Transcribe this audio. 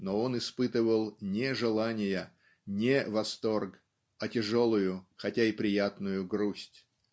но он испытывал "не желания не восторг а тяжелую хотя и приятную грусть".